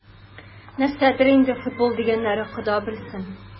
Нәрсәдер инде "футбол" дигәннәре, Хода белсен...